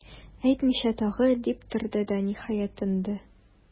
Әйтмичә тагы,- дип торды да, ниһаять, тынды.